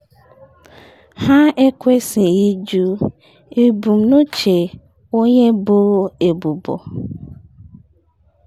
Ha ekwesịghị ịjụ ebumnuche onye boro ebubo.